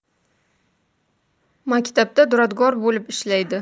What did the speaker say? maktabda duradgor bo'lib ishlaydi